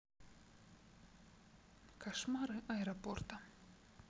кошмары аэропорта